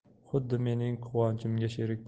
xuddi mening quvonchimga sherik